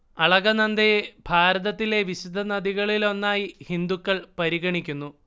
അളകനന്ദയെ ഭാരതത്തിലെ വിശുദ്ധ നദികളിലൊന്നായി ഹിന്ദുക്കൾ പരിഗണിക്കുന്നു